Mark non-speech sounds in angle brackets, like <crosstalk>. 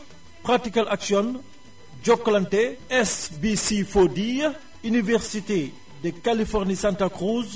<music> pratical action Jokalante SBC for dire Université de Californie Santa Cruz